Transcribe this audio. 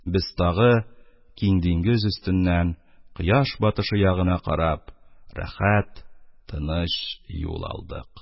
Без тагы киң диңгез өстеннән, кояш батышы ягына карап, рәхәт, тыныч юл алдык.